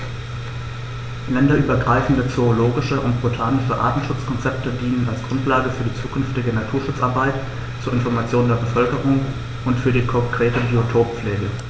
Länderübergreifende zoologische und botanische Artenschutzkonzepte dienen als Grundlage für die zukünftige Naturschutzarbeit, zur Information der Bevölkerung und für die konkrete Biotoppflege.